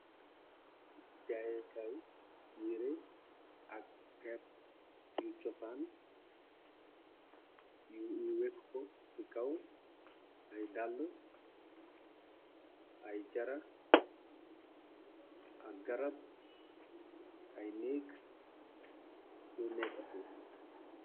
Jaayékaay yiire ak per yu cosaan yu ni wekk ko ci kaw ay dall yak garab ay néek yu nekk fuur nonu.